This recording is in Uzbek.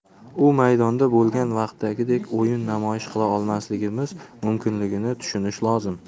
u maydonda bo'lgan vaqtdagidek o'yin namoyish qila olmasligimiz mumkinligini tushunish lozim